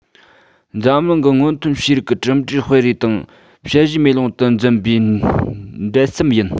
འཛམ གླིང གི སྔོན ཐོན ཤེས རིག གི གྲུབ འབྲས སྤེལ རེས དང དཔྱད གཞིའི མེ ལོང དུ འཛིན པའི འབྲེལ ཟམ ཡིན